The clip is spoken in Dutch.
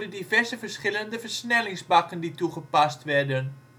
diverse verschillende versnellingsbakken die toegepast werden